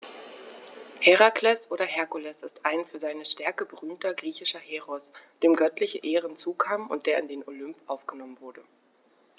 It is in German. Herakles oder Herkules ist ein für seine Stärke berühmter griechischer Heros, dem göttliche Ehren zukamen und der in den Olymp aufgenommen wurde.